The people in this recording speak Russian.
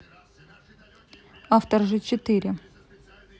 автор же четыре